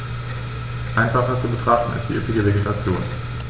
Einfacher zu betrachten ist die üppige Vegetation.